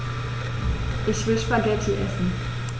Ich will Spaghetti essen.